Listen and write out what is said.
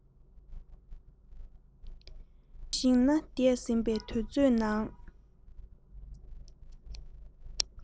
རེ ཞིག ན འདས ཟིན པའི དུས ཚོད ནང